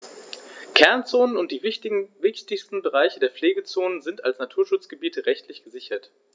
Kernzonen und die wichtigsten Bereiche der Pflegezone sind als Naturschutzgebiete rechtlich gesichert.